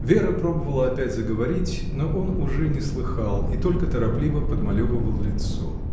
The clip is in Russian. Вера пробовала опять заговаривать, но он уже не слыхал и только торопливо подмалевывал лицо.